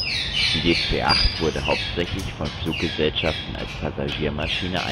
Die DC-8 wurde hauptsächlich von Fluggesellschaften als Passagiermaschine